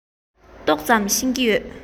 ཏོག ཙམ ཤེས ཀྱི ཡོད